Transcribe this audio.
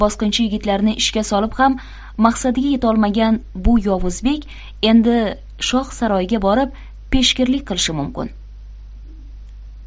bosqinchi yigitlarini ishga solib ham maqsadiga yetolmagan bu yovuz bek endi shoh saroyiga borib peshgirlik qilishi mumkin